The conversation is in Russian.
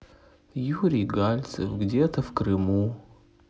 юрий гальцев где то в крыму